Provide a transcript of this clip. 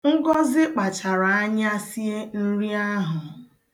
Ngọzị kpachara anya sie nri ahụ.